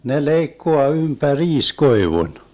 ne leikkaa ympäriinsä koivun